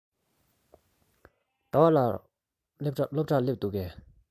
ཟླ བ ལགས སློབ གྲྭར སླེབས འདུག གས